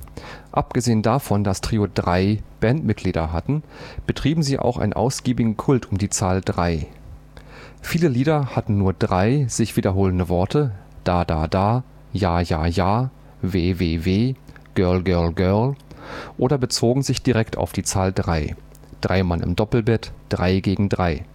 Abgesehen davon, dass Trio drei Bandmitglieder hatten, betrieben sie auch einen ausgiebigen Kult um die Zahl Drei. Viele Lieder hatten nur drei sich wiederholende Worte („ Da da da “,„ Ja ja ja “,„ W. W. W. “,„ Girl Girl Girl “,…) oder bezogen sich direkt auf die Drei („ Drei Mann im Doppelbett “,„ Drei gegen Drei